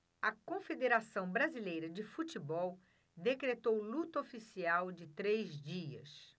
a confederação brasileira de futebol decretou luto oficial de três dias